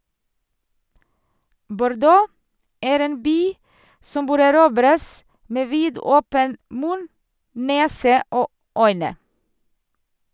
Bordeaux er en by som bør erobres med vidåpen munn, nese og øyne.